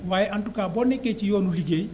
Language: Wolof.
waaye en tout cas boo nekee ci yoonu liggéey